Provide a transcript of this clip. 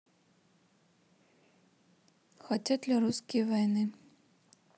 хотят ли русские войны